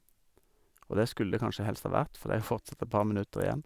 Og det skulle det kanskje helst ha vært, for det er fortsatt et par minutter igjen.